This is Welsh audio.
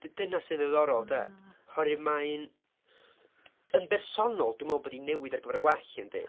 D- dyna sy'n ddiddorol de?... ie ...Oherwydd mae'n, d- yn bersonol dwi'n meddwl bod hi'n newid ar gyfer y gwell yndi?